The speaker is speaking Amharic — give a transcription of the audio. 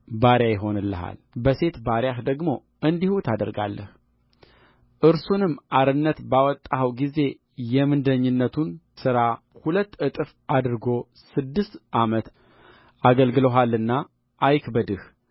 ባሪያ ይሆንልሃል በሴት ባሪያህ ደግሞ እንዲሁ ታደርጋለህ እርሱንም አርነት ባወጣኸው ጊዜ የምንደኝነቱን ሥራ ሁለት እጥፍ አድርጎ ስድስት ዓመት አገልግሎሃልና አይክበድህ